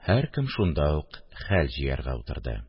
Һәркем шунда ук хәл җыярга утырды